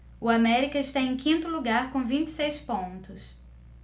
o américa está em quinto lugar com vinte e seis pontos